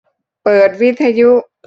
เปิดวิทยุ